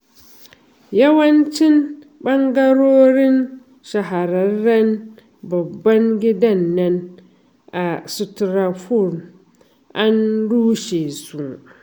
Yawancin ɓangarorin shahararren babban gidan nan a Sutrapur an rushe su.